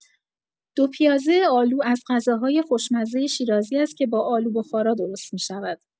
دو پیازه آلو از غذاهای خوشمزه شیرازی است که با آلو بخارا درست می‌شود.